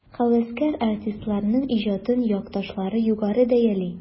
Һәвәскәр артистларның иҗатын якташлары югары бәяли.